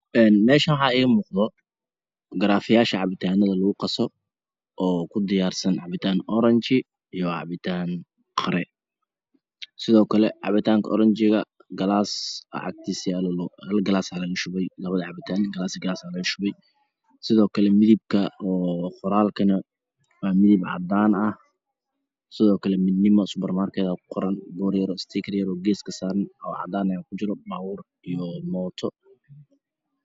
Meeshan waxaa iiga muuqdo garaafayaasha cabitaanada lagu qaso uu kudiyaarsan cabitano oranji yo cabitan qare sidokale cabitaanka oranjiga ah galaas ayaa agtiisa yaalo hal galaasaa laga shubay labada cabitaan galaas iyo galaasaa laga shubay sidokale midabka qoraalkana waa midab cadaan ah sidookale midnimo subarmarkedaa ku qoran booryaroo istikaryaroo gees kasaran oo cadan eh aa kujro babuur iyo mooto